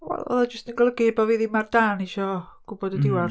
Oedd o jyst yn golygu bo' fi ddim ar dân isho gwbod y diwadd.